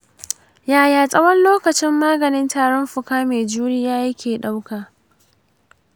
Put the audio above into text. yaya tsawon lokacin maganin tarin fuka mai juriya yake ɗauka?